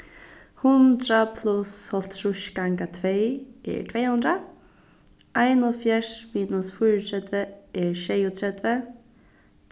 hundrað pluss hálvtrýss ganga tvey er tvey hundrað einoghálvfjerðs minus fýraogtretivu er sjeyogtretivu